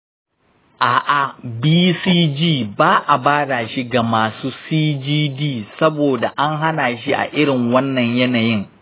a’a, bcg ba a ba da shi ga masu cgd saboda an hana shi a irin wannan yanayin.